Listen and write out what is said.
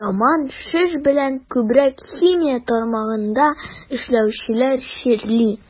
Яман шеш белән күбрәк химия тармагында эшләүчеләр чирли.